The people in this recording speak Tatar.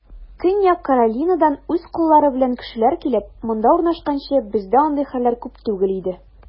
Көньяк Каролинадан үз коллары белән кешеләр килеп, монда урнашканчы, бездә андый хәлләр күп түгел иде.